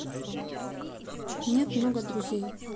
нет много друзей